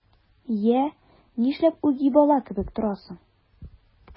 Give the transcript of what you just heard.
Йә, нишләп үги бала кебек торасың?